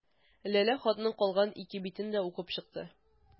Ләлә хатның калган ике битен дә укып чыкты.